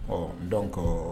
Ɔ donc